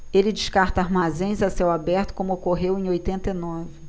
ele descarta armazéns a céu aberto como ocorreu em oitenta e nove